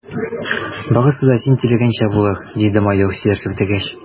Барысы да син теләгәнчә булыр, – диде майор, сөйләшеп бетергәч.